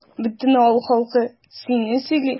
Бөтен авыл халкы сине сөйли.